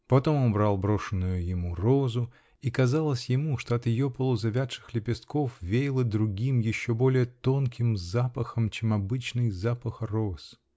Потом он брал брошенную ему розу -- и казалось ему, что от ее полузавядших лепестков веяло другим, еще более тонким запахом, чем обычный запах роз.